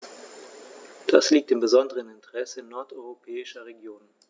Dies liegt im besonderen Interesse nordeuropäischer Regionen.